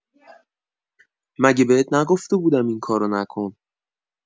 مگه بهت نگفته بودم این کارو نکن